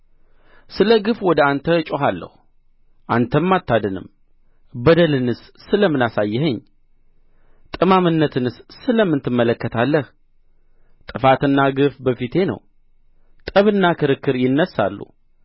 ስለ ግፍ ወደ አንተ እጮኻለሁ አንተም አታድንም በደልንስ ስለ ምን አሳየኸኝ ጠማምነትንስ ስለ ምን ትመለከታለህ ጥፋትና ግፍ በፊቴ ነው ጠብና ክርክር ይነሣሉ